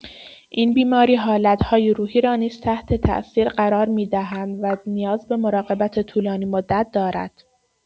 این بیماری حالت‌های روحی را نیز تحت‌تأثیر قرار می‌دهد و نیاز به مراقبت طولانی‌مدت دارد.